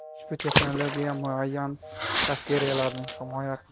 ushbu texnologiya muayyan bakteriyalarning himoya